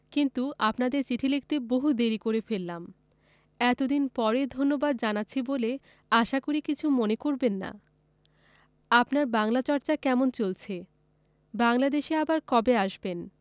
কিন্তু আপনাদের চিঠি লিখতে বহু দেরী করে ফেললাম এতদিন পরে ধন্যবাদ জানাচ্ছি বলে আশা করি কিছু মনে করবেন না আপনার বাংলা চর্চা কেমন চলছে বাংলাদেশে আবার কবে আসবেন